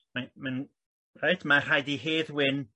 reit mae'n reit mae'n rhaid i Hedd Wyn